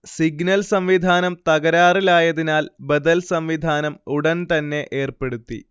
signal സംവിധാനം തകരാറിലായതിനാൽ ബദൽ സംവിധാനം ഉടൻ തന്നെ ഏർപ്പെടുത്തി